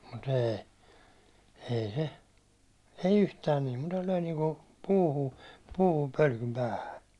mutta ei ei se ei yhtään niin mutta löi niin kuin puuhun puuhun pölkyn päähän